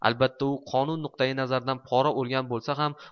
albatta qonun nuqtai nazaridan pora olgan ham